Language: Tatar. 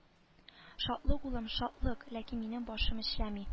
Шатлык улым шатлык ләкин минем башым эшләми